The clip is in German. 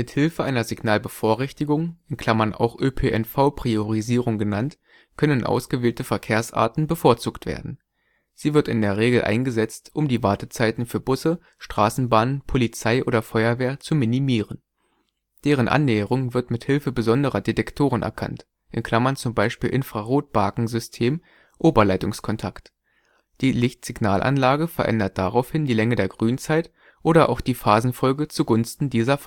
Hilfe einer Signalbevorrechtigung (auch ÖPNV-Priorisierung genannt) können ausgewählte Verkehrsarten bevorzugt werden. Sie wird in der Regel eingesetzt, um die Wartezeiten für Busse, Straßenbahnen, Polizei oder Feuerwehr zu minimieren. Deren Annäherung wird mit Hilfe besonderer Detektoren erkannt (z. B. Infrarotbakensystem, Oberleitungskontakt). Die Lichtsignalanlage verändert daraufhin die Länge der Grünzeit oder auch die Phasenfolge zu Gunsten dieser